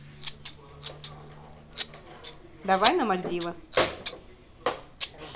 давай на мальдивы